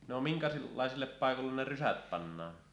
no minkälaisille paikoille ne rysät pannaan